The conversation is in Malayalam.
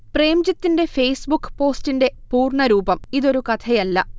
പ്രേംജിത്തിന്റെ ഫേസ്ബുക്ക് പോസ്റ്റിന്റെ പൂർണ്ണരൂപം, ഇതൊരു കഥയല്ല